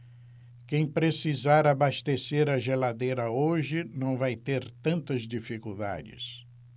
quem precisar abastecer a geladeira hoje não vai ter tantas dificuldades